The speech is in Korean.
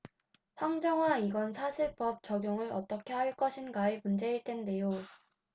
황정화 이건 사실 법 적용을 어떻게 할 것인가의 문제일 텐데요